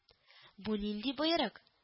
— бу нинди боерык